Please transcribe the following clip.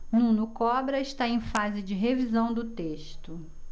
nuno cobra está em fase de revisão do texto